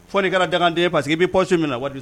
Fo n' kɛra danganden paseke i bɛ psɔ minɛ na wa